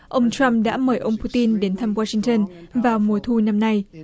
ông trăm đã mời ông pu tin đến thăm goa sinh tơn vào mùa thu năm nay